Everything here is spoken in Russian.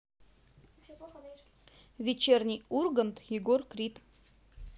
вечерний ургант егор крид